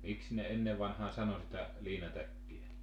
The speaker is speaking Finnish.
miksi ne ennen vanhaan sanoi sitä liinatäkkiä